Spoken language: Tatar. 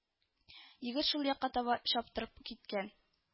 Егет шул якка таба чаптырып киткән